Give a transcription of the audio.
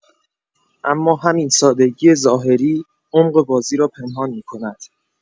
اما همین سادگی ظاهری، عمق بازی را پنهان می‌کند.